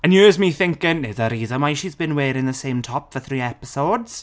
And 'ere's me thinking "is there a reason why she's been wearing the same top for three episodes?"